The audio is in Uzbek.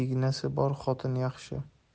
ignasi bor xotin yaxshi